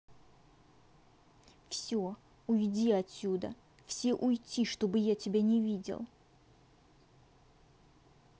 все уйди отсюда все уйти чтобы я тебя не видел